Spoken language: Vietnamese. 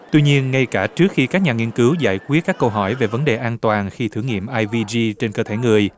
uy nhiên ngay cả trước khi các nhà nghiên cứu giải quyết các câu hỏi về vấn đề an toàn khi thử nghiệm a vi gi trên cơ thể người